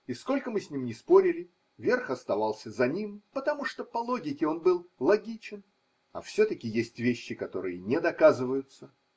И сколько мы с ним ни спорили, верх оставался за ним, потому что по логике он был логичен, – а все-таки есть вещи, которые не доказываются.